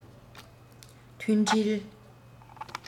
མཐུན སྒྲིལ